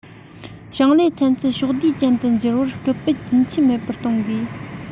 ཞིང ལས ཚན རྩལ ཕྱོགས བསྡུས ཅན དུ འགྱུར བར སྐུལ སྤེལ རྒྱུན ཆད མེད པར གཏོང དགོས